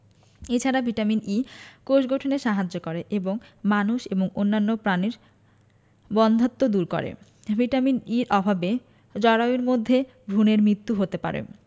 এ ছাড়া vitamin E কোষ গঠনে সাহায্য করে এবং মানুষ এবং অন্যান্য প্রাণীর বন্ধ্যাত্ব দূর করে ভিটামিন ই এর অভাবে জরায়ুর মধ্যে ভ্রুনের মৃিত্যু হতে পারে